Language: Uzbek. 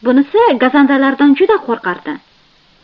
bunisi gazandalardan juda qo'rqardi